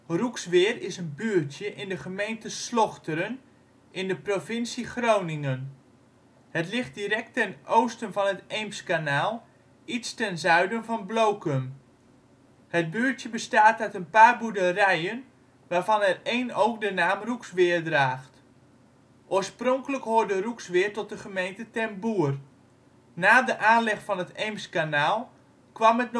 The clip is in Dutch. Roeksweer is een buurtje in de gemeente Slochteren in de provincie Groningen. Het ligt direct ten oosten van het Eemskanaal, iets ten zuiden van Blokum. Het buurtje bestaat uit een paar boerderijen waarvan er een ook de naam Roeksweer draagt. Oorspronkelijk hoorde Roeksweer tot de gemeente Ten Boer. Na de aanleg van het Eemskanaal kwam het